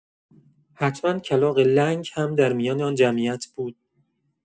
حتما کلاغ لنگ هم در میان آن جمعیت بود.